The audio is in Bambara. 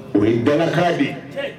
O ye dalaha de ye